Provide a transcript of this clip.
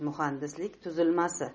muhandislik tuzilmasi